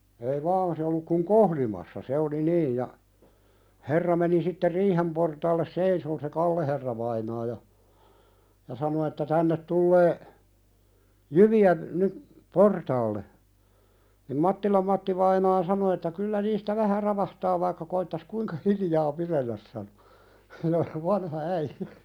ei vaan se ollut kun kohlimassa se oli niin ja herra meni sitten riihen portaalle seisomaan se Kalle herravainaa ja ja sanoi että tänne tulee jyviä nyt portaalle niin Mattilan Mattivainaa sanoi että kyllä niistä vähän ravahtaa vaikka koettaisi kuinka hiljaa pidellä sanoi vanha äijä